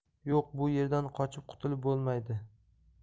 yo'q bu yerdan qochib qutulib bo'lmaydi